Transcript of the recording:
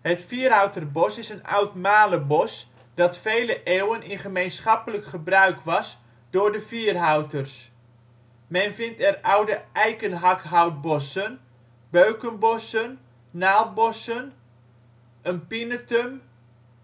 Het Vierhouterbos is een oud malebos dat vele eeuwen in gemeenschappelijk gebruik was door de Vierhouters. Men vindt er oude eikenhakhoutbossen, beukenbossen, naaldbossen, een pinetum,